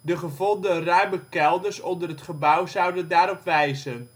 de gevonden ruime kelders onder het gebouw zouden daarop wijzen